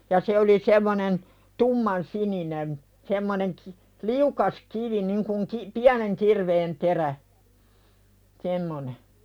ja se oli semmoinen tummansininen semmoinen - liukas kivi niin kuin - pienen kirveen terä semmoinen